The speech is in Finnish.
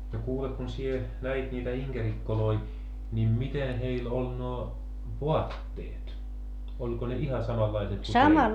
no kuule kun sinä näit niitä inkerikkoja niin miten heillä oli nuo vaatteet oliko ne ihan samanlaiset kuin teillä